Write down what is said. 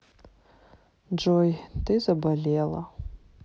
джой ты заболела